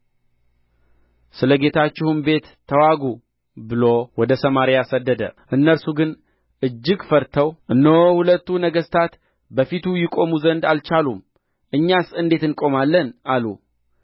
ስለ ጌታችሁም ቤት ተዋጉ ብሎ ወደ ሰማርያ ሰደደ እነርሱ ግን እጅግ ፈርተው እነሆ ሁለቱ ነገሥታት በፊቱ ይቆሙ ዘንድ አልቻሉም እኛስ እንዴት እንቆማለን አሉ